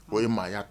O ye maaya